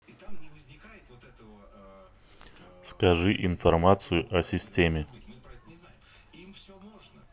скажи информацию о системе